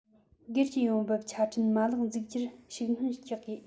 སྒེར གྱི ཡོང འབབ ཆ འཕྲིན མ ལག འཛུགས རྒྱུར ཤུགས སྣོན རྒྱག དགོས